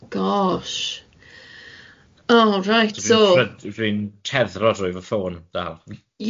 Gosh, o rait, so... Dwi'n try- dwi'n teddro drwy fy ffôn dal.